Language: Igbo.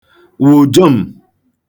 wụ̀ jom̀